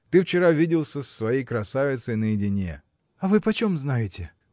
Ты вчера виделся с своей красавицей наедине. – А вы почему знаете?